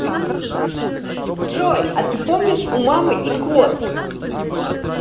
джой а ты помнишь у мамы и кот